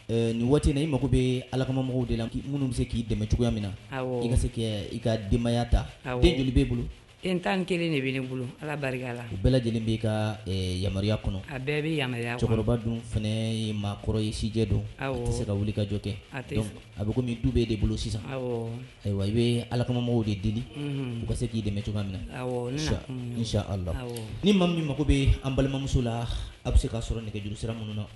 Nin waati na i mako mago bɛ alak mɔgɔw de la minnu bɛ se k'i dɛmɛ cogoya min na i se i ka denbayaya ta e bɛ bolo e tan kelen de bɛ ne n bolo la u bɛɛ lajɛlen b'i ka yamaruya kɔnɔ a bɛɛ bɛ yama cɛkɔrɔba dun fana maa kɔrɔ ye sijɛ dɔn tɛ se ka wuli ka jɔ kɛ a bɛ tu bɛ de bolo sisan ayiwa i bɛ alak mɔgɔw de deli u se k'i dɛmɛ cogoya min na nc ala la ni ma min mago bɛ an balimamuso la a bɛ se k'a sɔrɔ nɛgɛ juruuru sira minnu na